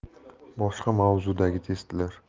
boshqa mavzudagi testlar